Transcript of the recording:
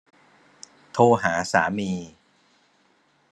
โทรหาสามี